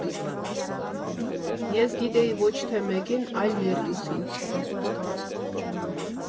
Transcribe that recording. Ես գիտեի ոչ թե մեկին, այլ երկուսին.